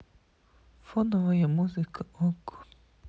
фоновая музыка окко